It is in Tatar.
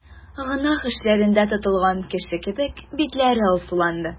Гөнаһ эшләгәндә тотылган кеше кебек, битләре алсуланды.